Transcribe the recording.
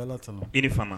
I ni